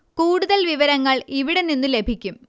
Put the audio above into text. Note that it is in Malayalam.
കൂടുതൽ വിവരങ്ങൾ ഇവിടെ നിന്നു ലഭിക്കും